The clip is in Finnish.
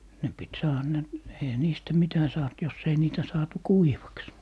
ne piti saada ne eihän niistä mitä saatu jos ei niitä saatu kuivaksi